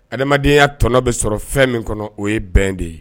Adamadamadenyaya tɔɔnɔ bɛ sɔrɔ fɛn min kɔnɔ o ye bɛn de ye